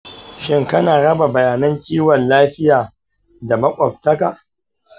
shin kana raba bayanan kiwon lafiya da makwabta?